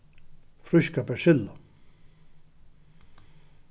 fríska persillu